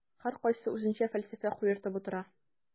Һәркайсы үзенчә фәлсәфә куертып утыра.